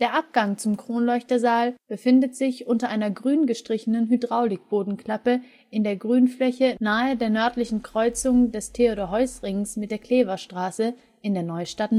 Abgang zum Kronleuchtersaal befindet sich unter einer grüngestrichenen Hydraulik-Bodenklappe in der Grünfläche nahe der nördlichen Kreuzung des Theodor-Heuss-Rings mit der Clever Straße in der Neustadt-Nord